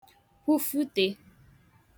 kwufụte